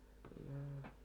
no